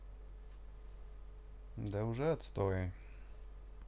да уже отстой